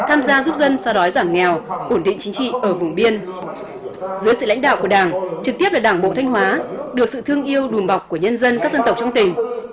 tham gia giúp dân xóa đói giảm nghèo ổn định chính trị ở vùng biên dưới sự lãnh đạo của đảng trực tiếp là đảng bộ thanh hóa được sự thương yêu đùm bọc của nhân dân các dân tộc trong tỉnh